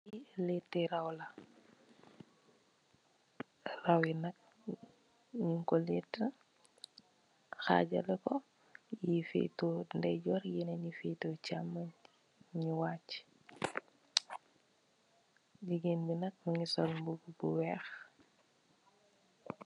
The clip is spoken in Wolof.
Li letti raw la, raw yi nak ñing ko lett xajaleh ko yi feetu ndayjoor yenen yi feetu camooy ñi wacci. Jigeen bi nak mugii sol mbubu bu wèèx.